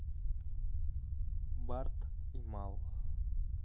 барт и мал